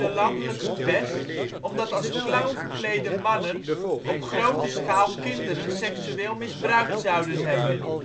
landelijke pers omdat als clown verklede man (nen) op grote schaal kinderen seksueel misbruikt zouden hebben